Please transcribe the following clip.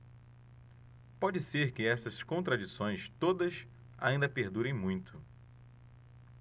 pode ser que estas contradições todas ainda perdurem muito